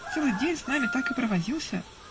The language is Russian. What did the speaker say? Целый день с нами так и провозился.